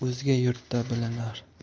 o'zga yurtda bilinar